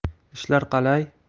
ishlar qalay